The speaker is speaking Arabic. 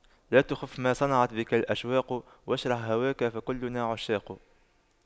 لا تخف ما صنعت بك الأشواق واشرح هواك فكلنا عشاق